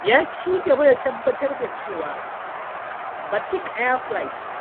Ya ci gaba da tabbatar da cewa Batik Air Flight